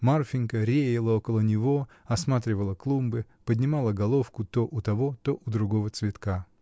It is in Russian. Марфинька реяла около него, осматривала клумбы, поднимала головку то у того, то у другого цветка.